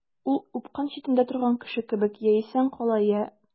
Ул упкын читендә торган кеше кебек— я исән кала, я...